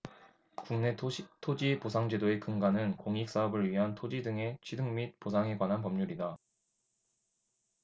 국내 토지보상제도의 근간은 공익사업을 위한 토지 등의 취득 및 보상에 관한 법률이다